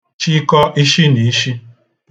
chikọ ishinishi